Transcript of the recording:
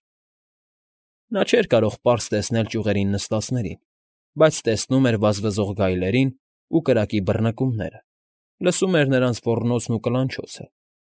Նա չէր կարող պարզ տեսնել ճյուղերին նստածներին, բայց տեսնում էր վազվզող գայլերին ու կրակի բռնկումները, լսում էր նրանց ոռնոցը և կլանչոցը։